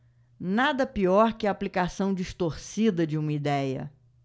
nada pior que a aplicação distorcida de uma idéia